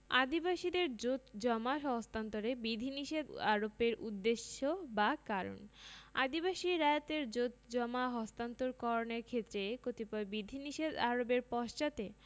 আদিবাসীদের জোতজমা হস্তান্তরে বিধিনিষেধ আরোপের উদ্দেশ্য বা কারণ আদিবাসী রায়তদের জোতজমা হস্তান্তর করণের ক্ষেত্রে কতিপয় বিধিনিষেধ আরোপের পশ্চাতে